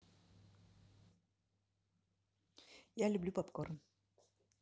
я люблю попкорн